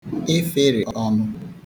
ịfịrị ọnụ